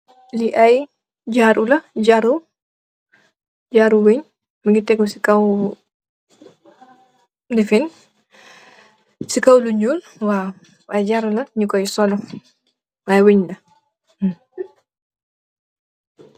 Li ay jaru la, jaru wéñ, mugeh tégu ci kaw lu ñuul ñi Koy sol.